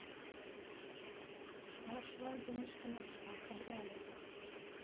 шла шла денежки нашла кабриолет